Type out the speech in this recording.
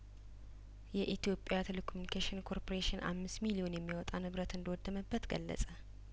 የኢትዮጵያ ቴሌኮሚኒኬሽን ኮርፖሬሽን አምስት ሚሊዮን የሚያወጣንብረት እንደወደመበት ገለጸ